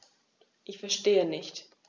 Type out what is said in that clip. Ich verstehe nicht.